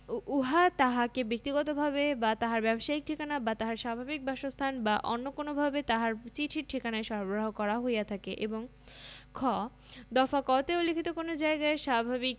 উহা তাহাকে বক্তিগতভাবে বা তাহার ব্যবসায়িক ঠিকানা বা তাহার স্বাভাবিক বাসস্থান বা অন্য কোনভাবে তাহার চিঠির ঠিকানায় সরবরাহ করা হইয়া থাকে এবং খ দফা ক তে উল্লেখিত কোন জায়গায় স্বাভাবিক